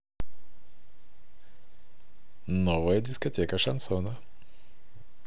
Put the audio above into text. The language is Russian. новая дискотека шансона